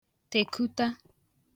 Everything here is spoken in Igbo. tèkuta